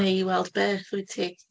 Neu i weld beth, wyt ti?